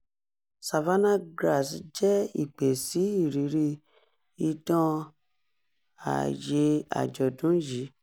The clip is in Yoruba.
"Savannah Grass" jẹ́ ìpè sí ìrírí idán ayée àjọ̀dún yìí.